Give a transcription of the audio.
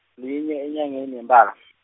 linye enyangeni yeMphala.